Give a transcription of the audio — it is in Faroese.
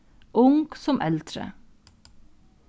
ung sum eldri